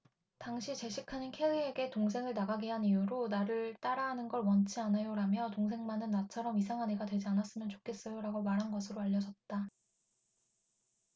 당시 제시카는 켈리에게 동생을 나가게 한 이유로 나를 따라 하는 걸 원치 않아요라며 동생만은 나처럼 이상한 애가 되지 않았으면 좋겠어요라고 말한 것으로 알려졌다